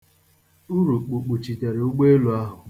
Urukpu kpuchitere ugbeelu ahụ